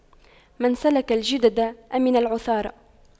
من سلك الجدد أمن العثار